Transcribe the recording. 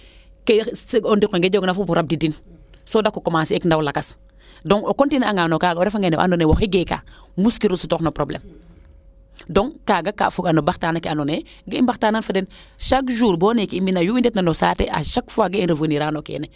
ke o ndeikonge jegoona fop o rabdi tin so dako commencer ik ndaw lakas donc o continuer anga no kaaga o refange noxe andonaye waxey geeka oskiro sutoox no probleme donc kaaga a foga no baxtaana ke ando naye ga i mbaxtanan fo den chaque jour bo neeke i mbina yu i ndetna no saate a chaque fois ga i revenir a no keene